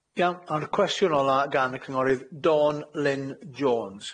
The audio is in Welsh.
Iawn a'r cwestiwn ola gan y cynghorydd Dawn Lynne Jones.